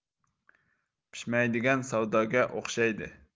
pishmaydigan savdoga o'xshaydi